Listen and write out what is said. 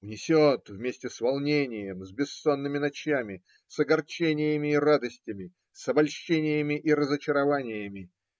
Унесет вместе с волнением, с бессонными ночами, с огорчениями и радостями, с обольщениями и разочарованиями.